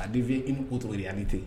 Ka difin i ko cogo ani tɛ